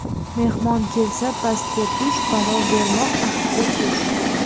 mehmon kelsa pastga tush palov bermoq ahdga tush